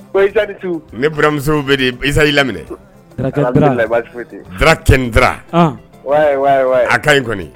Tu ne baramusow bɛ dezalii lamɛninɛ kɛdi a ka in kɔni